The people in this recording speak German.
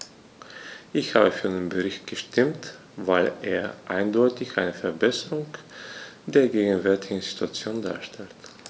Ich habe für den Bericht gestimmt, weil er eindeutig eine Verbesserung der gegenwärtigen Situation darstellt.